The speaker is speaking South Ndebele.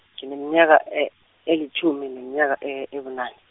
ngineminyaka e- elitjhumi neminyaka e- ebunane.